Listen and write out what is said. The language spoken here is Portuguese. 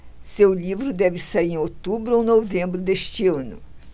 seu livro deve sair em outubro ou novembro deste ano